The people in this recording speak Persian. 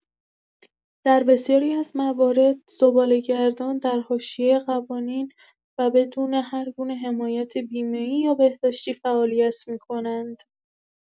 در بسیاری از موارد، زباله‌گردان در حاشیه قوانین و بدون هرگونه حمایت بیمه‌ای یا بهداشتی فعالیت می‌کنند.